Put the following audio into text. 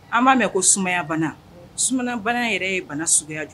An b'a mɛn ko sumayabana subana yɛrɛ ye bana sumayaya jɔ